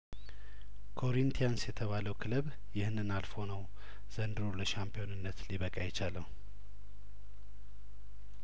ኮሪንቲያንስ የተባለው ክለብ ይህንን አልፎ ነው ዘንድሮ ለሻምፒዮንነት ሊበቃ የቻለው